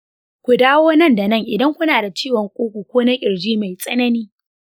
ku dawo nan da nan idan kuna da ciwon ƙugu ko na ƙirji mai tsanani.